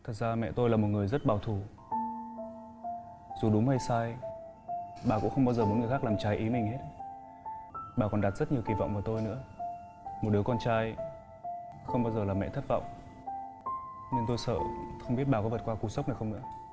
thật ra mẹ tôi là một người rất bảo thủ dù đúng hay sai bà cũng không bao giờ muốn người khác làm trái ý mình hết bà còn đặt rất nhiều kỳ vọng vào tôi nữa một đứa con trai không bao giờ làm mẹ thất vọng nhưng tôi sợ không biết bà con vượt qua cú sốc này không nữa